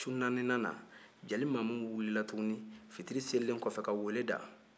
su naaninan na jeli mamu wulila tuguni fitiri selilen kɔfɛ ka weele da